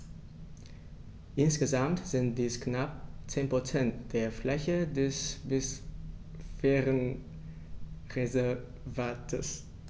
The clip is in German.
Insgesamt sind dies knapp 10 % der Fläche des Biosphärenreservates.